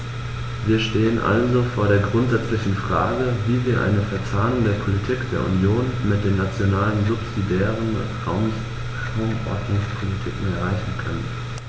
Wir stehen also vor der grundsätzlichen Frage, wie wir eine Verzahnung der Politik der Union mit den nationalen subsidiären Raumordnungspolitiken erreichen können.